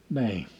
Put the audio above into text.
niin